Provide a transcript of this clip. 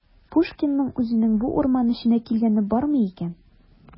Пушкинның үзенең бу урман эченә килгәне бармы икән?